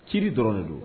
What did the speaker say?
Ci dɔrɔn de don